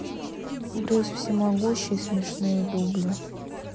брюс всемогущий смешные дубли